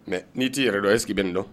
Mɛ n'i t'i yɛrɛ dɔn e k sigii bɛ nin dɔn